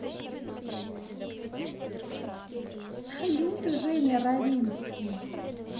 салют женя ровинский